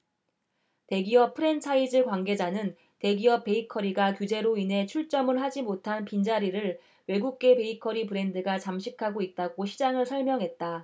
대기업 프랜차이즈 관계자는 대기업 베이커리가 규제로 인해 출점을 하지 못한 빈 자리를 외국계 베이커리 브랜드가 잠식하고 있다고 시장을 설명했다